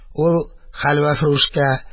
Ул хәлвәфрүшкә